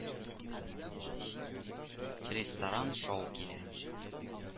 Ресторан шау килә